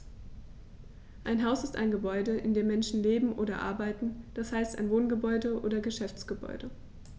Ein Haus ist ein Gebäude, in dem Menschen leben oder arbeiten, d. h. ein Wohngebäude oder Geschäftsgebäude.